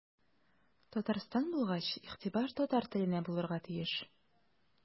Татарстан булгач игътибар татар теленә булырга тиеш.